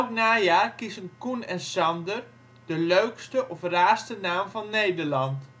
najaar kiezen Coen en Sander de leukste/raarste naam van Nederland